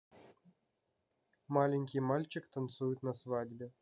маленький мальчик танцует на свадьбе